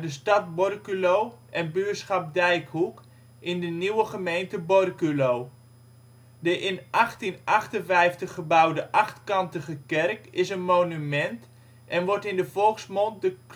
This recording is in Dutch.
stad Borculo en buurschap Dijkhoek, in de nieuwe gemeente Borculo. De in 1858 gebouwde achtkantige kerk is een monument en wordt in de volksmond de